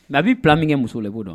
Nka b bɛi min kɛ musolen bɛ dɔn